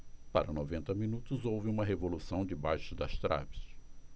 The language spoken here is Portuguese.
para noventa minutos houve uma revolução debaixo das traves